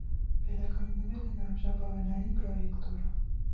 Վերականգնվել է նաև ժապավենային պրոյեկտորը։